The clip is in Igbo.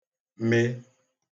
-me